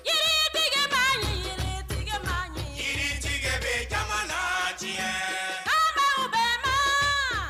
Jtigiba hinɛtigiba ɲi yiritigi bɛ jama ka diɲɛ faama bɛ fɛ